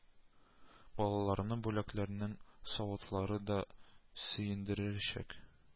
Балаларны бүләкләрнең савытлары да сөендерерәчәк